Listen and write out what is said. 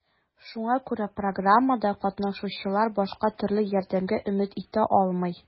Шуңа күрә программада катнашучылар башка төрле ярдәмгә өмет итә алмый.